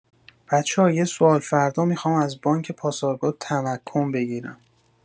بچه‌ها یه سوال فردا میخوام از بانک پاسارگاد تمکن بگیرم.